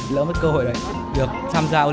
lỡ mất cơ hội ấy được tham gia ô